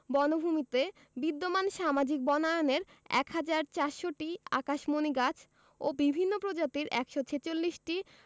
বনভূমিতে বিদ্যমান সামাজিক বনায়নের ১ হাজার ৪০০টি আকাশমণি গাছ ও বিভিন্ন প্রজাতির ১৪৬টি